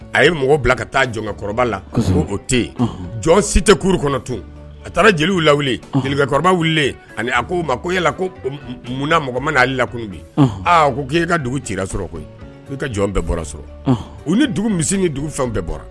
A ye mɔgɔ bila ka taa jɔnkɛ kɔrɔ la o tɛ yen jɔn si tɛ kuru kɔnɔ tun a taara jeli la jelikɛ kɔrɔ wililen ani ko o ma ko yala ko munna mɔgɔ man'ale lakunbi aaa ko k'i ka dugu ci sɔrɔ koyi k' ka jɔn bɛɛ bɔra sɔrɔ u ni dugu mi ni dugu fɛn bɛɛ bɔra